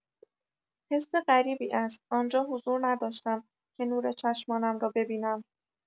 حس غریبی است آنجا حضور نداشتم که نور چشمانم را ببینم.